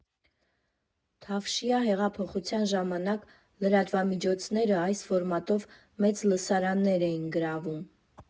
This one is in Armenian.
Թավշյա հեղափոխության ժամանակ լրատվամիջոցները այս ֆորմատով մեծ լսարաններ էին գրավում.